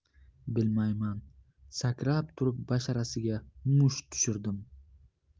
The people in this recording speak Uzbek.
bilmayman sakrab turib basharasiga musht tushirdim